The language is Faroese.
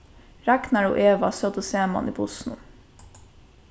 ragnar og eva sótu saman í bussinum